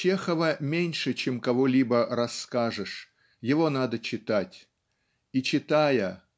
Чехова меньше чем кого-либо расскажешь: его надо читать. И читая